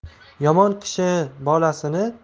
yomon kishi bolasin